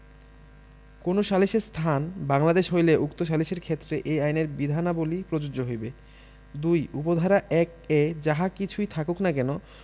কোন সালিসের স্থান বাংলাদেশ হইলে উক্ত সালিসের ক্ষেত্রে এই আইনের বিধানাবলী প্রযোজ্য হইবে ২ উপ ধারা ১ এ যাহা কিচুই থাকুক না কেন